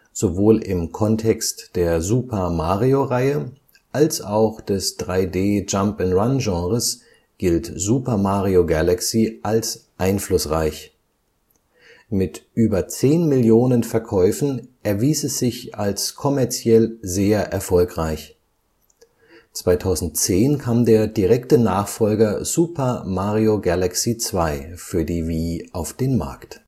Sowohl im Kontext der Super-Mario-Reihe als auch des 3D-Jump -’ n’ - Run-Genres gilt Super Mario Galaxy als einflussreich. Mit über zehn Millionen Verkäufen erwies es sich als kommerziell sehr erfolgreich. 2010 kam der direkte Nachfolger Super Mario Galaxy 2 für die Wii auf den Markt